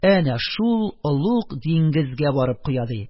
Әнә шул олуг диңгезгә барып коя... ди,